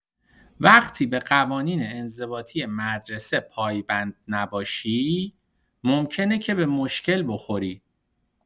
وقتی به قوانین انضباطی مدرسه پایبند نباشی، ممکنه که به مشکل بخوری.